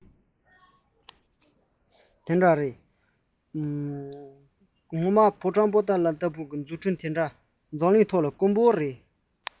ཞུས ཙང དངོས འབྲེལ ཕོ བྲང པོ ཏ ལ ལྟ བུའི འཛུགས སྐྲུན དེ འདྲ འཛམ གླིང ཐོག དཀོན པོ རེད